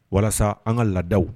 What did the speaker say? Walasa an ka ladaw